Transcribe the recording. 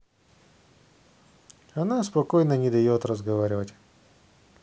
она спокойно не дает разговаривать